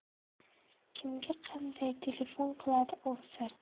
kimga qanday telefon qiladi ovsar